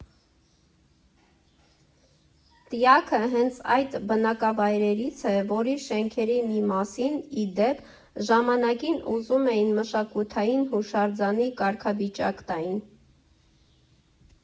Տյաքը հենց այդ բնակավայրերից է, որի շենքերի մի մասին, ի դեպ, ժամանակին ուզում էին մշակութային հուշարձանի կարգավիճակ տային։